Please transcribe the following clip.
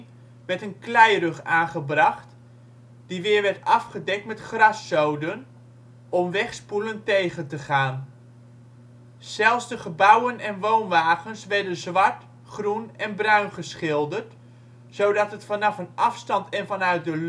kleirug aangebracht, die weer werd afgedekt met graszoden, om wegspoelen tegen te gaan. Zelfs de gebouwen en woonwagens werden zwart, groen en bruin geschilderd, zodat het vanaf een afstand en vanuit de lucht